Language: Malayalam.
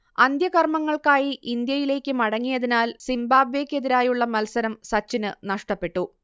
അന്ത്യകർമങ്ങൾക്കായി ഇന്ത്യയിലേക്ക് മടങ്ങിയതിനാൽ സിംബാബ്വേക്കെതിരേയുള്ള മത്സരം സച്ചിന് നഷ്ടപ്പെട്ടു